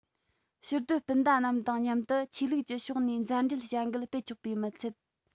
ཕྱིར སྡོད སྤུན ཟླ རྣམས དང མཉམ དུ ཆོས ལུགས ཀྱི ཕྱོགས ནས མཛའ འབྲེལ བྱ འགུལ སྤེལ ཆོག པའི མི ཚད